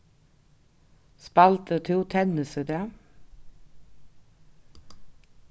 spældi tú tennis í dag